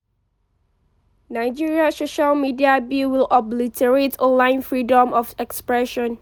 Nigeria's social media bill will obliterate online freedom of expression